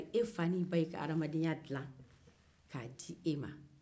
e fa n'i ba y'i ka hadamaden ya dila k'a di e ma